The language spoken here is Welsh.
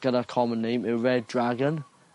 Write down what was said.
gyda'r common name yw Red Dragon.